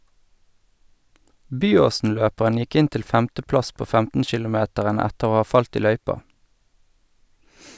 Byåsen-løperen gikk inn til femteplass på 15-kilometeren etter å ha falt i løypa.